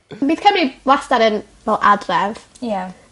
Bydd Cymru wastad yn fel adref. Ie.